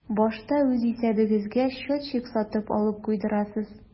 Башта үз исәбегезгә счетчик сатып алып куйдырасыз.